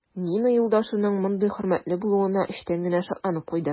Нина юлдашының мондый хөрмәтле булуына эчтән генә шатланып куйды.